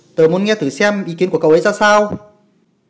tớ muốn nghe thử xem ý kiến của cậu ấy ra sao